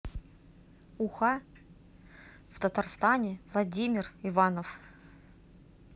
уха в татарстане владимир иванов